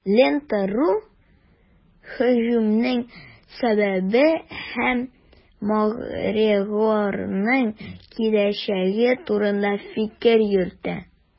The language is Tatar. "лента.ру" һөҗүмнең сәбәбе һәм макгрегорның киләчәге турында фикер йөртә.